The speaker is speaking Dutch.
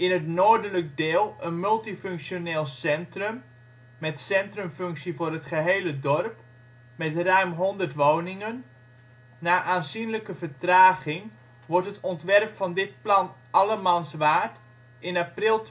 het noordelijk deel een multifunctioneel centrum, met centrumfunctie voor het gehele dorp, met ruim honderd woningen. Na aanzienlijke vertraging wordt het ontwerp van dit Plan Allemanswaard in april